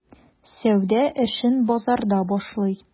Сәүдә эшен базарда башлый.